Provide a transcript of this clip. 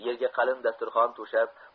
yerga qalin dasturxon to'shab